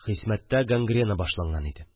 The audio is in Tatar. Хисмәттә гангрена башланган иде